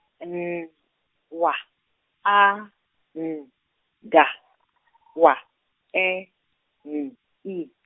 N wa A N ga wa E N I.